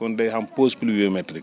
kon day am pause pluviométrique